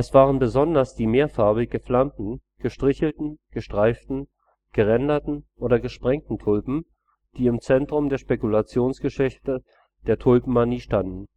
waren besonders die mehrfarbig geflammten, gestrichelten, gestreiften, geränderten oder gesprenkelten Tulpen, die im Zentrum der Spekulationsgeschäfte der Tulpenmanie standen